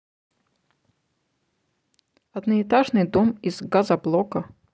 одноэтажный дом из газоблока